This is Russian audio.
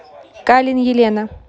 кален елена